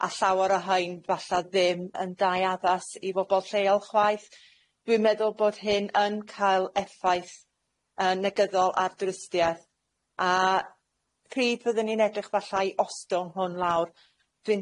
A llawer o hein falla ddim yn dau addas i fobol lleol chwaith dwi'n meddwl bod hyn yn cael effaith yy negyddol ar dwristieth a pryd fyddwn ni'n edrych falla i ostwng hwn lawr dwi'n